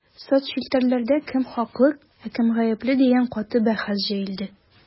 Соцчелтәрләрдә кем хаклы, ә кем гапле дигән каты бәхәс җәелде.